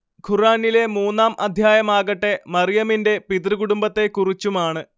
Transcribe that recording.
ഖുർആനിലെ മൂന്നാം അധ്യായമാകട്ടെ മർയമിന്റെ പിതൃകുടുംബത്തെ കുറിച്ചുമാണ്